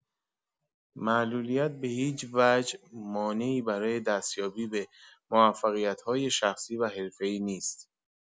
معلولیت به‌هیچ‌وجه مانعی برای دستیابی به موفقیت‌های شخصی و حرفه‌ای نیست.